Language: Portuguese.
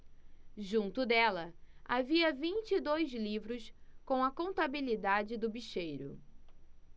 junto dela havia vinte e dois livros com a contabilidade do bicheiro